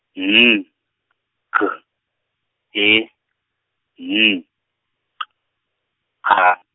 N, G, E, N, Q, A.